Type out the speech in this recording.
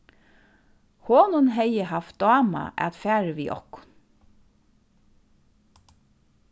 honum hevði havt dámað at farið við okkum